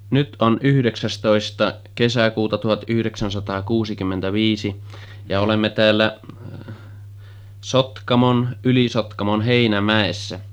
nyt on yhdeksästoista kesäkuuta tuhat yhdeksänsataa kuusikymmentä viisi ja olemme täällä Sotkamon Yli-Sotkamon Heinämäessä